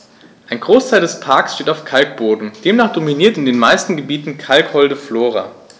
Ein Großteil des Parks steht auf Kalkboden, demnach dominiert in den meisten Gebieten kalkholde Flora.